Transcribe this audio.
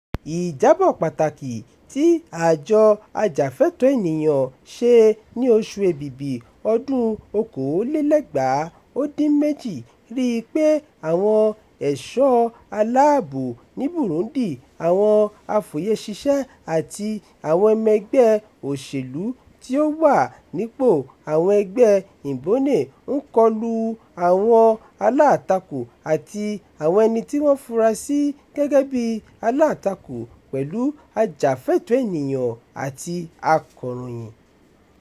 Ìjábọ̀ pàtàkì ti àjọ ajàfẹ́tọ̀ọ́ ènìyàn ṣe ní oṣù Èbìbí 2018 rí i pé àwọn èṣọ́ aláàbò ní Burundi, àwọn afòyeṣiṣẹ́ àti àwọn ọmọ ẹgbẹ́ òṣèlú tí ó wà nípò, àwọn ẹgbẹ́ Imbone… ń kọlu àwọn alátakò àti àwọn ẹni tí wọ́n fura sí gẹ́gẹ́ bí alátakò pẹ̀lú ajàfẹ́tọ̀ọ́ ènìyàn àti akọ̀ròyìn.